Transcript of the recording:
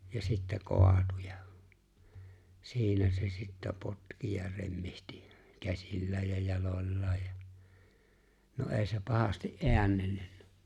ja sitten kaatui ja siinä se sitten potki ja remmitsi käsillään ja jaloillaan ja no ei se pahasti äännellyt